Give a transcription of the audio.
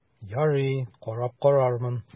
Ярый, карап карармын...